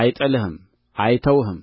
አይጥልህም አይተውህም